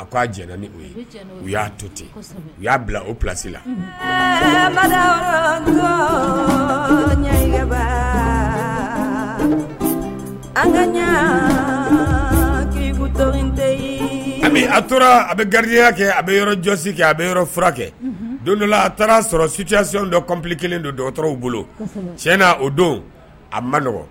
A ko aa jɛnɛ ni ye u y'a to ten u y'a bila o plasi la an ka ɲɛ ki a tora a bɛ gariya kɛ a bɛ yɔrɔjsi kɛ a bɛ yɔrɔ furakɛ kɛ don dɔla a taara' sɔrɔ sucsi dɔ kelen don dɔgɔtɔrɔw bolo cɛ na o don a ma dɔgɔ